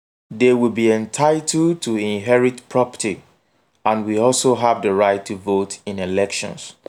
They will be entitled to inherit property and will also have the right to vote in elections.